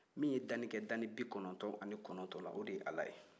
min ye dani kɛ dani bikɔnɔntɔ ani kɔnɔntɔ la o de ye ala ye